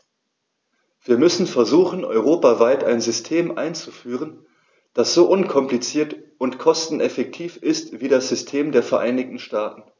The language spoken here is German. Wir müssen versuchen, europaweit ein System einzuführen, das so unkompliziert und kosteneffektiv ist wie das System der Vereinigten Staaten.